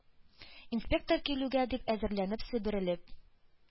Инспектор килүгә дип әзерләнеп себерелеп